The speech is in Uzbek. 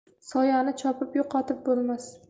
soyani chopib yo'qotib bo'lmas